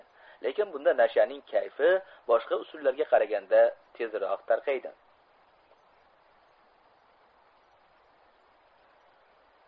lekin bunda nashaning kayfi boshqa usullarga qaraganda tezroq tarqaydi